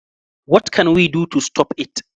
What can we do to stop it?